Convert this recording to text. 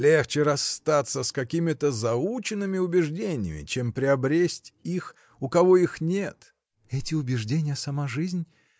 — Легче расстаться с какими-то заученными убеждениями, чем приобресть их, у кого их нет. — Эти убеждения — сама жизнь.